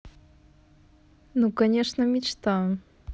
ну конечно мечта